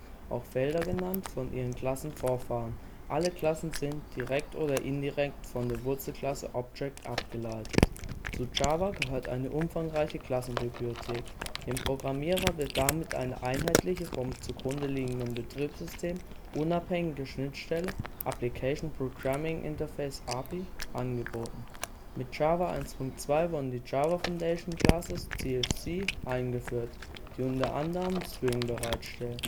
Felder genannt) von ihren Klassenvorfahren. Alle Klassen sind – direkt oder indirekt – von der Wurzelklasse Object abgeleitet. Zu Java gehört eine umfangreiche Klassenbibliothek. Dem Programmierer wird damit eine einheitliche, vom zugrunde liegenden Betriebssystem unabhängige Schnittstelle (Application programming interface, API) angeboten. Mit Java 1.2 wurden die Java Foundation Classes (JFC) eingeführt, die unter anderem Swing bereitstellen